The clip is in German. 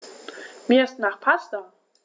Mir ist nach Pasta.